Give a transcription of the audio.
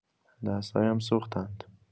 دست‌هایم سوختند.